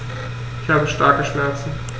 Ich habe starke Schmerzen.